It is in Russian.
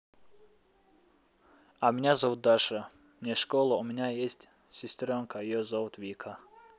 а меня зовут даша не школа у меня есть сестренка ее зовут вика